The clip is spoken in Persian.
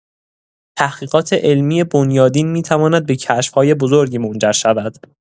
تحقیقات علمی بنیادین می‌تواند به کشف‌های بزرگی منجر شود.